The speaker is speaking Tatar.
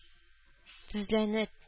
Тезләнеп